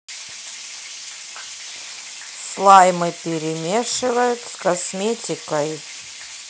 слаймы перемешивают с косметикой